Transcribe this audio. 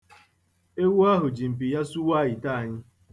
Ewu ahụ ji mpi ya sụwaa ite anyị.